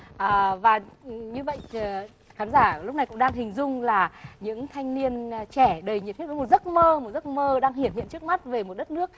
à và như vậy ờ khán giả lúc này cũng đang hình dung là những thanh niên trẻ đầy nhiệt huyết với một giấc mơ một giấc mơ đang hiển hiện trước mắt về một đất nước